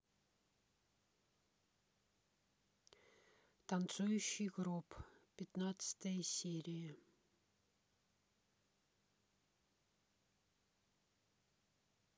танцующий гроб пятнадцатая серия